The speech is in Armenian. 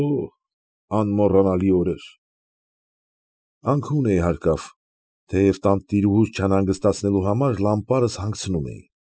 Օհ, անմոռանալի օրեր։ Անքուն էի հարկավ, թեև տանտիրուհուս չանհանգստացնելու համար լամպարս հանգցնում էի։